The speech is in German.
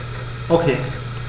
Okay.